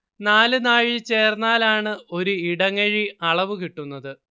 നാല് നാഴി ചേർന്നാലാണ് ഒരു ഇടങ്ങഴി അളവ് കിട്ടുന്നത്